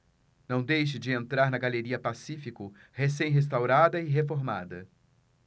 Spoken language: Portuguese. não deixe de entrar na galeria pacífico recém restaurada e reformada